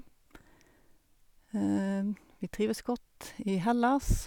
Vi trives godt i Hellas.